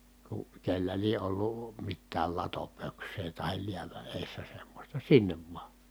kun kenellä lie ollut mitään latopöksää tai läävän edessä semmoista sinne vain